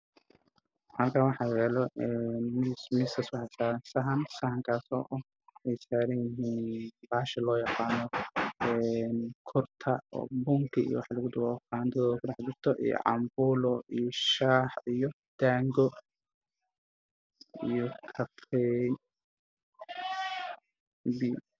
Meeshan waxa yaalo miis miisku xasaran cunto bariis mara diyaarado